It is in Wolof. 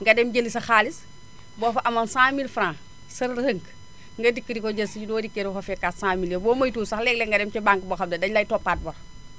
nga dem jëli sa xaalis boo fa amoon 100000F sa rënk nga dikk di ko jël si boo dikkee doo fa fekkaat 100000F ya boo moytuwul sax léeg-léeg nga dem ca banque boo xam ne daénu lay toppaat bor